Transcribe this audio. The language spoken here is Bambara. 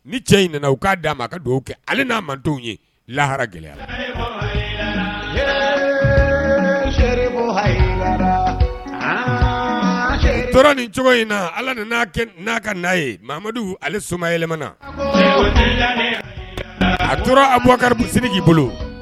Ni cɛ in nana u k'a d a ma ka dugawu kɛ ale n'a man ye lahara gɛlɛyaya tora nin cogo in na ala n n'a ka n'a yemadu ale soma yɛlɛɛlɛmana a tora a bɔkaririsi' bolo